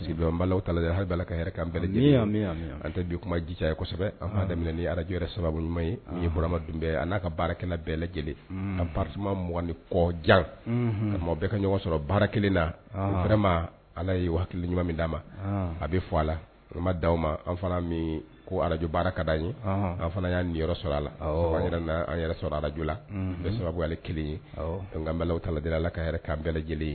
La an tɛ bi kuma ji ye an daminɛmin ni alaj sababuurama dun a n'a ka baara kɛnɛ bɛɛ lajɛlen a m ni kɔ jan ka mɔ bɛɛ ka ɲɔgɔn sɔrɔ baara kelen na a ma ala yel ɲuman min d'a ma a bɛ fɔ a la ma d di aw ma an fana min ko alaj baara ka' an ye an fana y'a nin yɔrɔ sɔrɔ a an an yɛrɛ sɔrɔ alajla bɛ sababu ala kelen ye'an tala lajɛlen la ka yɛrɛ' bɛɛ lajɛlen ye